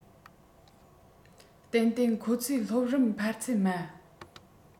ཏན ཏན ཁོ ཚོས སློབ རིམ འཕར ཚད དམའ